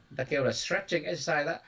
ta kêu là sờ trét inh ếch xơ sai đó